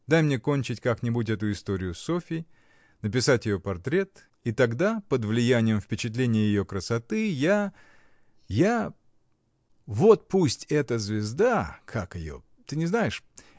Дай мне кончить как-нибудь эту историю с Софьей, написать ее портрет, и тогда, под влиянием впечатления ее красоты, я, я. Вот пусть эта звезда, как ее. ты не знаешь?